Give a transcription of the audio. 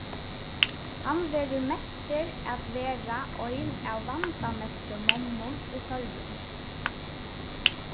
hann verður mettur at vera ein av vandamestu monnum í føroyum